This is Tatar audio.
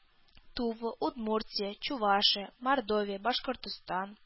Тува, Удмуртия, Чувашия, Мордовия, Башкортстан